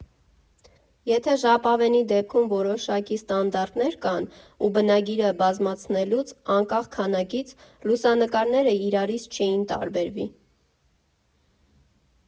Եթե ժապավենի դեպքում որոշակի ստանդարտներ կան, ու բնագիրը բազմացնելուց, անկախ քանակից, լուսանկարները իրարից չէին տարբերվի։